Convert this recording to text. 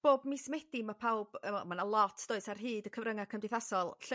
bob mis Medi ma' pawb efo ma' 'na lot does? Ar hyd y cyfrynga' cymdeithasol